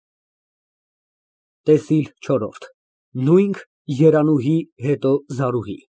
ՏԵՍԻԼ ՉՈՐՐՈՐԴ ՆՈՒՅՆՔ, ԵՐԱՆՈՒՀԻ, հետո ԶԱՐՈՒՀԻ։